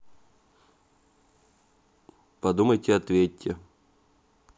подумайте ответьте